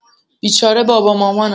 بیچاره بابا مامانم!